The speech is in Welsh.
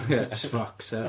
Ie, jyst fox ia.